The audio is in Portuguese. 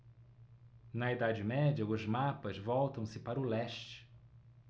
na idade média os mapas voltam-se para o leste